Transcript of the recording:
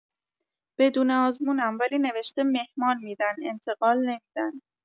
بدون آزمونم ولی نوشته مهمان می‌دن انتقال نمی‌دن